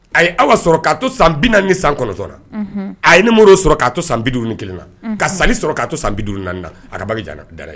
A ye Awa sɔrɔ ka to san 49 na, unhun, a ye Namori sɔrɔ ka to san 51 na, unhun, ka Sali sɔrɔ ka to san 54 na, unhun, a ka bange dana yen.